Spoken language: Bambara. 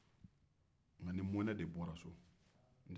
nka n ni mɔnɛ de bɔra so